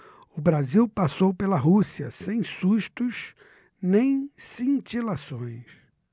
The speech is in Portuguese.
o brasil passou pela rússia sem sustos nem cintilações